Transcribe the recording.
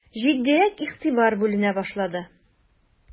Җитдирәк игътибар бүленә башлады.